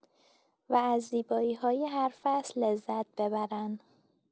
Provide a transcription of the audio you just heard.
و از زیبایی‌های هر فصل لذت ببرن.